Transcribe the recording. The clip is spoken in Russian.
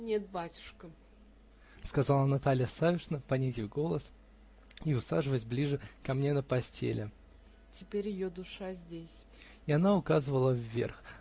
-- Нет, батюшка, -- сказала Наталья Савишна, понизив голос и усаживаясь ближе ко мне на постели, -- теперь ее душа здесь. И она указывала вверх.